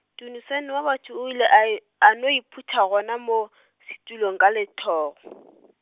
Dunusani wa batho o ile a ye, a no iphutha gona moo, setulong ka letšhogo.